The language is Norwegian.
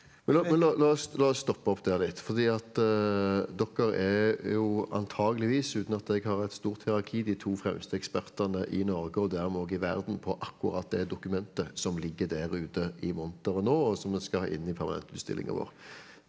men la men la la oss la oss stoppe opp der litt fordi at dere er jo antageligvis, uten at jeg har et stort hierarki, de to fremste ekspertene i Norge og dermed òg i verden på akkurat det dokumentet som ligger der ute i monteren nå og som vi skal ha inn i permanentutstillingen vår.